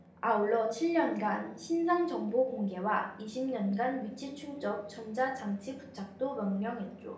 아울러 칠 년간 신상정보 공개와 이십 년간 위치추적 전자장치 부착도 명령했죠